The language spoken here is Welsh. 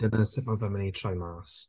Dyna sut mae fe'n mynd i troi mas.